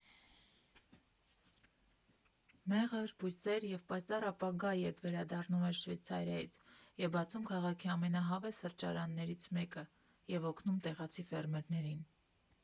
Մեղր, բույսեր և պայծառ ապագա Երբ վերադառնում ես Շվեյցարիայից և բացում քաղաքի ամենահավես սրճարաններից մեկը (և օգնում տեղացի ֆերմերներին)։